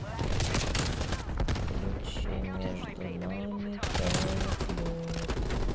включи между нами тает лед